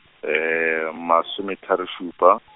masome tharo šupa.